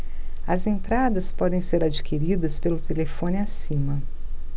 as entradas podem ser adquiridas pelo telefone acima